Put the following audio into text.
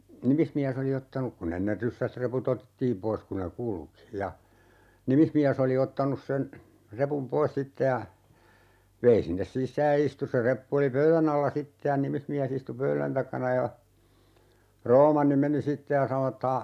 nimismies oli ottanut kun ennen ryssältä reput otettiin pois kun ne kulki ja nimismies oli ottanut sen repun pois sitten ja vei sinne sisään ja istui se reppu oli pöydän alla sitten ja nimismies istui pöydän takana ja Roomanni meni sitten ja sanoi että -